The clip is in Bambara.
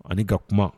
Ani ka kuma